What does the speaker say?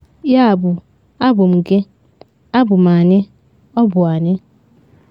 “Yabụ abụ m gị, abụ m anyị, ọ bụ anyị.